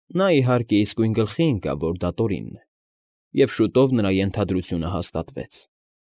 Նա իհարկե, իսկույն գլխի ընկավ, որ դա Տորինն է, և շուտով նրա ենթադրությունը հաստատվեց։